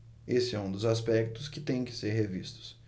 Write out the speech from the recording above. esse é um dos aspectos que têm que ser revistos